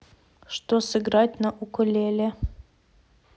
что сыграть на укулеле